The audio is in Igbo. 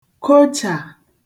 kochà